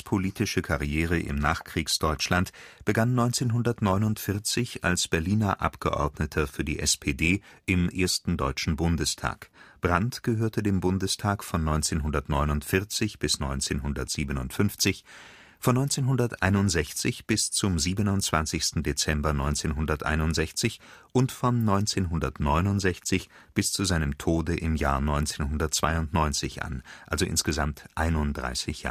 im Nachkriegsdeutschland begann 1949 als Berliner Abgeordneter für die SPD im ersten Deutschen Bundestag. Brandt gehörte dem Bundestag von 1949 bis 1957, von 1961 bis zum 27. Dezember 1961 und von 1969 bis zu seinem Tode im Jahre 1992 an, also insgesamt 31